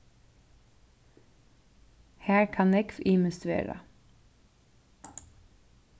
har kann nógv ymiskt vera